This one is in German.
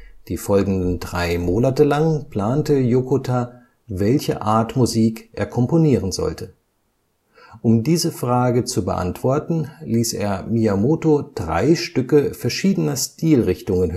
Die folgenden drei Monate lang plante Yokota, welche Art Musik er komponieren sollte. Um diese Frage zu beantworten, ließ er Miyamoto drei Stücke verschiedener Stilrichtungen